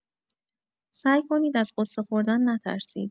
سعی کنید از غصه‌خوردن نترسید.